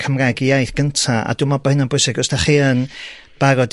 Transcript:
Cymraeg 'u iaith gynta a dwi me'wl bo' hyn yn bwysig. Os 'dach chi yn barod i